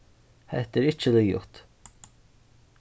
hetta er ikki liðugt